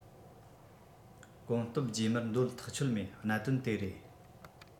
གོམ སྟབས རྗེས མར འདོད ཐག ཆོད མེད གནད དོན དེ རེད